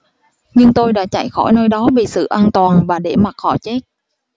nhưng tôi đã chạy khỏi nơi đó vì sự an toàn và để mặc họ chết